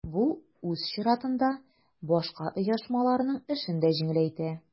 Бу үз чиратында башка оешмаларның эшен дә җиңеләйтә.